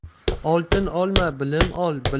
oltin olma bilim ol